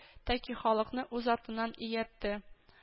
Тәки халыкны үз артыннан ияртте